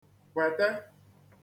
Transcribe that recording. kwẹ̀te